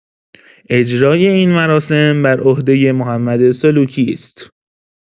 اجرای این مراسم بر عهده محمد سلوکی است.